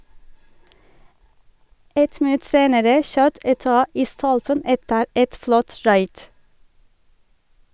Ett minutt senere skjøt Eto'o i stolpen etter et flott raid.